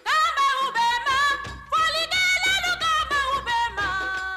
Faama' bɛ ma fa tɛ tɛ' bɛ ba